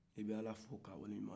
i be ala fo k'a waleɲuman dɔn